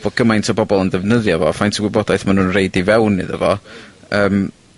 fo' gymaint o bobol yn ddefnyddio fo faint o wybodaeth ma' nw'n rhoid i fewn iddo fo, yym,